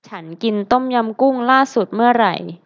ฉันกินต้มยำกุ้งล่าสุดเมื่อไหร่